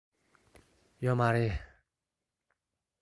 ཡོད མ རེད